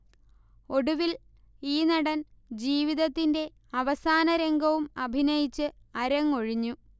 ഒടുവിൽ ഈ നടൻ ജീവിതത്തിന്റെ അവസാനരംഗവും അഭിനയിച്ച് അരങ്ങൊഴിഞ്ഞു